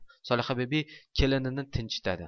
solihabibi kelinini tinchitadi